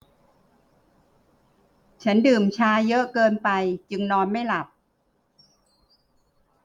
ฉันดื่มชาเยอะเกินไปจึงนอนไม่หลับ